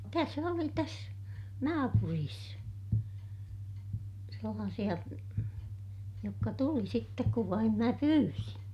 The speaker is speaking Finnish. tässä oli tässä naapurissa sellaisia jotka tuli sitten kun vain minä pyysin